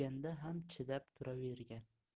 yeganda ham chidab turavergan